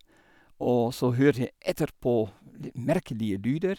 Og så hørte jeg etterpå litt merkelige lyder.